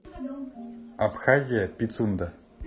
абхазия пицунда